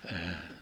-